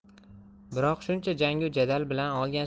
biroq shuncha jangu jadal bilan olgan